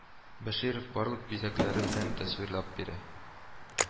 Бәширов барлык бизәкләре белән тасвирлап бирә